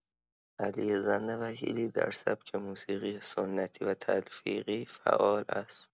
علی زند وکیلی در سبک موسیقی سنتی و تلفیقی فعال است.